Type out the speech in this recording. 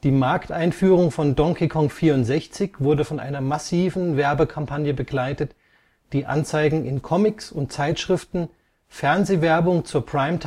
Markteinführung von Donkey Kong 64 wurde von einer massiven Werbekampagne begleitet, die Anzeigen in Comics und Zeitschriften, Fernsehwerbung zur Prime Time